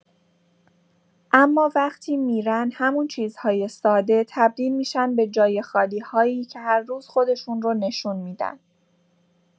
اما وقتی می‌رن، همون چیزهای ساده تبدیل می‌شن به‌جای خالی‌هایی که هر روز خودشون رو نشون می‌دن.